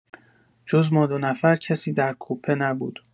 جز ما دو نفر کسی در کوپه نبود.